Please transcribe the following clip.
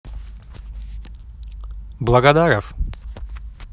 благодаров